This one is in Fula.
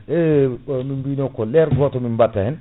min bino ko l' heure goto min batta hen